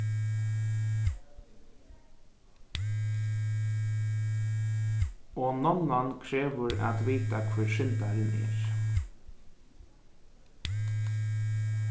og nonnan krevur at vita hvør syndarin er